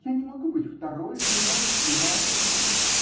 -- Я не могу быть второй женой и мачехой.